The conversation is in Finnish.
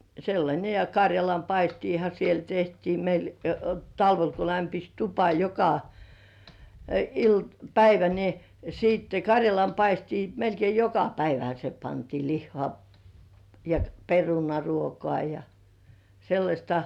sellainen ja karjalanpaistiahan siellä tehtiin meillä talvella kun lämpisi tupa joka - päivä niin sitten karjalan paistia melkein joka päivähän se pantiin lihaa ja perunaruokaa ja sellaista